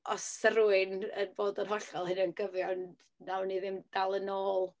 Os 'sa rywun yn bodol hollol hunan-gyfiawn wnawn ni ddim dal yn ôl.